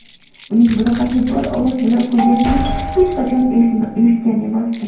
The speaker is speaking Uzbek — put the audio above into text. uning bunaqangi bor ovoz bilan kulganini hech qachon eshitgan emasdim